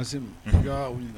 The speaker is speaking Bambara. Ɲini